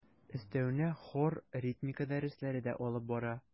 Өстәвенә хор, ритмика дәресләре дә алып бара.